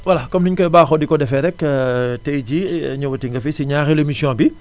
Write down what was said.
voilà ni ñu koy baaxoo di ko defee rekk tay jii ñëwati nga fi si ñaareelu émission bi